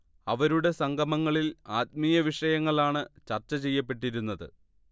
അവരുടെ സംഗമങ്ങളിൽ ആത്മീയവിഷയങ്ങളാണ് ചർച്ചചെയ്യപ്പെട്ടിരുന്നത്